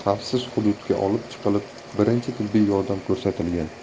xavfsiz hududga olib chiqilib birinchi tibbiy yordam ko'rsatilgan